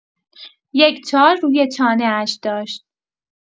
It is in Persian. یک چال روی چانه‌اش داشت.